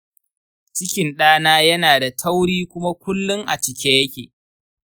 cikin ɗana yana da tauri kuma kullum a cike yake.